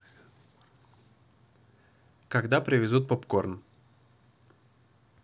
когда привезут попкорн